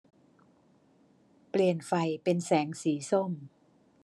เปลี่ยนไฟเป็นแสงสีส้ม